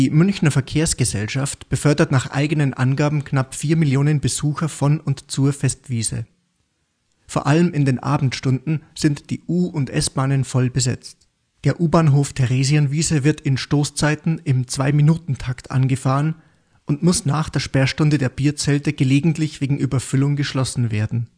Münchner Verkehrsgesellschaft befördert nach eigenen Angaben knapp 4 Millionen Besucher von und zur Festwiese. Vor allem in den Abendstunden sind die U - und S-Bahnen voll besetzt. Der U-Bahnhof Theresienwiese wird in Stoßzeiten im 2-Minuten-Takt angefahren und muss nach der Sperrstunde der Bierzelte gelegentlich wegen Überfüllung geschlossen werden